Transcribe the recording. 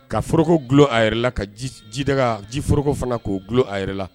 Ka forokolo a yɛrɛ la ka ji daga ji forooroko fana k'o du a yɛrɛ la